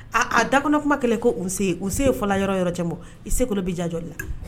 Aa dakɔnɔ kuma kɛlɛ ko fɔlɔ yɔrɔ yɔrɔ cɛ bɔ i sekolo bɛ jajɔli la